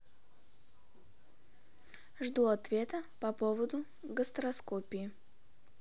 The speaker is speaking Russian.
жду ответа по поводу гастроскопии